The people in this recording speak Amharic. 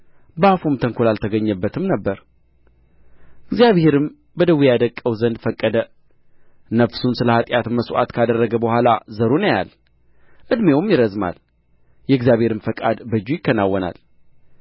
በአፉም ተንኮል አልተገንበትም ነበር እግዚአብሔርም በደዌ ያደቅቀው ዘንድ ፈከደ ነፍሱን ስለ ኃጢአት መሥዋዕት ካደረገ በኋላ ዘሩን ያያል ዕድሜውም ይረዝማል የእግዚአብሔርም ፈቃድ በእጁ ይከናወናል